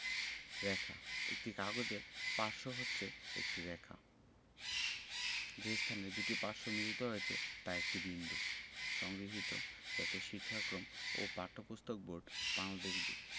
রেখাঃ একটি কাগজের পার্শ্ব হচ্ছে একটি রেখা যে স্থানে দুইটি পার্শ্ব মিলিত হয়েছে তা একটি বিন্দু সংগৃহীত জাতীয় শিক্ষাক্রম ও পাঠ্যপুস্তক বোর্ড বাংলাদেশ